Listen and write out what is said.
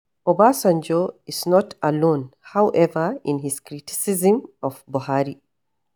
Obasanjo is not alone, however, in his criticism of Buhari.